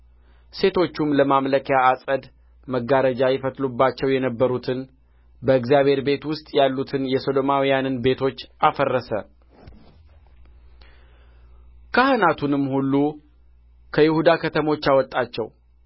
ሴቶቹም ለማምለኪያ ዐፀድ መጋረጃ ይፈትሉባቸው የነበሩትን በእግዚአብሔር ቤት ውስጥ ያሉትን የሰዶማውያንን ቤቶች አፈረሰ ካህናቱንም ሁሉ ከይሁዳ ከተሞች አወጣቸው